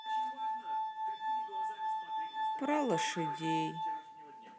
про лошадей